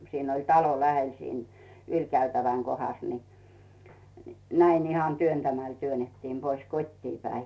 siinä oli talo lähellä siinä ylikäytävän kohdassa niin näin ihan työntämällä työnnettiin pois kotiin päin